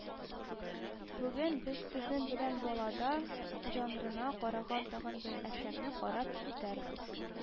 -бүген без сезнең белән баллада жанрына караган тагын бер әсәрне карап үтәрбез